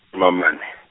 ame a mane.